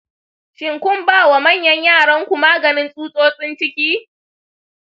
shin kun ba wa manyan yaranku maganin tsutsotsin ciki?